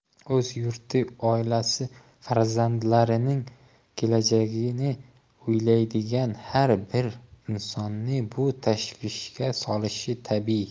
o'z yurti oilasi farzandlarining kelajagini o'ylaydigan har bir insonni bu tashvishga solishi tabiiy